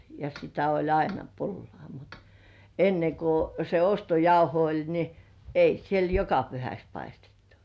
ja sitä oli aina pullaa mutta ennen kun se ostojauho oli niin ei siellä joka pyhäksi paistettu